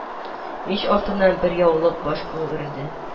Мич артыннан бер яулыклы баш күренде